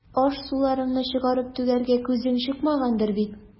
Аш-суларыңны чыгарып түгәргә күзең чыкмагандыр бит.